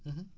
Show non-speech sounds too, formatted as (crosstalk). (hesitation) (hesitation)